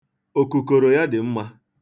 Okùkòrò ya dị mma.